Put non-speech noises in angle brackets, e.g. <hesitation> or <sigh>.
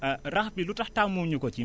<hesitation> rax bi lu tax taamu wu ñu ko ci